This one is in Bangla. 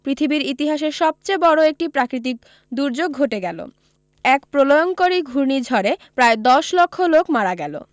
পৃথিবীর ইতিহাসের সবচেয়ে বড়ো একটি প্রাকৃতিক দুর্যোগ ঘটে গেল এক প্রলয়ংকরী ঘূর্ণিঝড়ে প্রায় দশ লক্ষ লোক মারা গেল